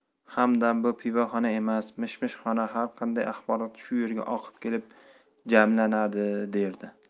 hamdam bu pivoxona emas mish mishxona har qanday axborot shu yerga oqib kelib jamlanadi derdi